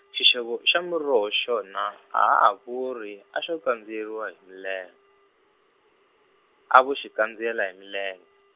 xixevo xa muroho xona a ha vuri, a xo kandziyeriwa hi milenge, a vo xikandziyela hi milenge.